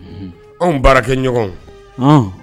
Anw baara kɛ ɲɔgɔn